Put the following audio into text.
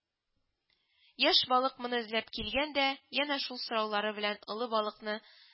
Яшь балык моны эзләп килгән дә янә шул сораулары белән олы балыкны